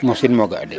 mosiinum o ga' de